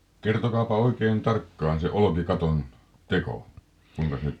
kertokaapa oikein tarkkaan se olkikaton teko kuinka se